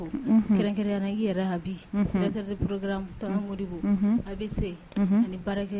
A bɛ segin